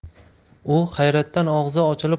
u hayratdan og'zi ochilib